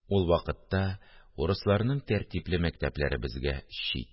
Ул вакытта урысларның тәртипле мәктәпләре безгә чит